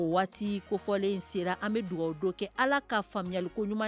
Waati kofɔlen in sera an bɛ dugawu don kɛ ala ka faamuyayaliko ɲuman